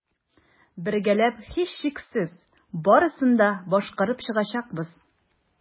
Бергәләп, һичшиксез, барысын да башкарып чыгачакбыз.